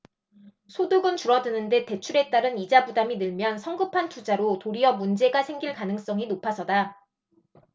소득은 줄어드는데 대출에 따른 이자 부담이 늘면 성급한 투자로 도리어 문제가 생길 가능성이 높아서다